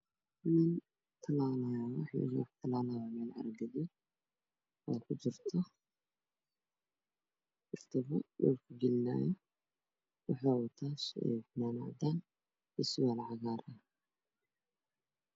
Waxaa ii muuqda nin tallaalayo geed wuxuu wataa fanaanad cadaan